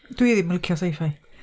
Dwi ddim yn licio sci-fi.